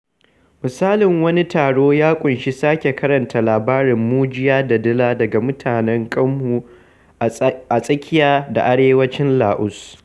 Misalin wani taron ya ƙunshi sake karanta labarin "Mujiya da Dila" daga mutanen Kmhmu a tsakiya da arewacin Laos.